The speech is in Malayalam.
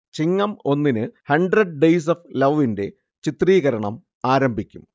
ചിങ്ങം ഒന്നിന് ഹൺഡ്രഡ് ഡേയ്സ് ഓഫ് ലവിന്റെ ചിത്രീകരണം ആരംഭിക്കും